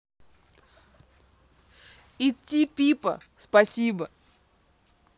идти пипа спасибо